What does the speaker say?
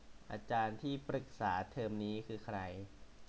อาจารย์ที่ปรึกษาเทอมนี้คือใคร